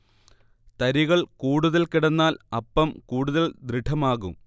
തരികൾ കൂടുതൽ കിടന്നാൽ അപ്പം കൂടുതൽ ദൃഡമാകും